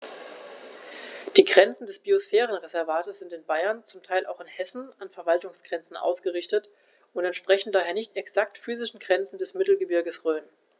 Die Grenzen des Biosphärenreservates sind in Bayern, zum Teil auch in Hessen, an Verwaltungsgrenzen ausgerichtet und entsprechen daher nicht exakten physischen Grenzen des Mittelgebirges Rhön.